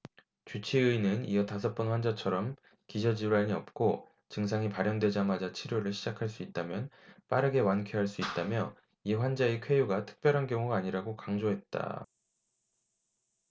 주치의는 이어 다섯 번 환자처럼 기저 질환이 없고 증상이 발현되자마자 치료를 시작할 수 있다면 빠르게 완쾌할 수 있다며 이 환자의 쾌유가 특별한 경우가 아니라고 강조했다